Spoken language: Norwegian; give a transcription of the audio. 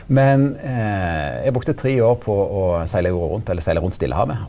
men eg brukte tre år på å segla jorda rundt eller segla rundt Stillehavet.